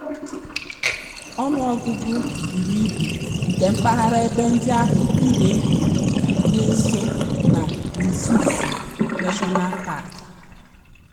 Ọnụ ọgụgụ buru ibu nke mpaghara ebe ndị ahụ idei riri dị nso na Rusizi National Park.